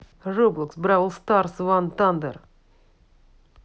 роблокс бравл старс ван тандер